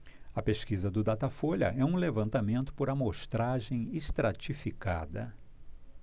a pesquisa do datafolha é um levantamento por amostragem estratificada